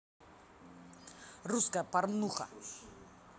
русская порнуха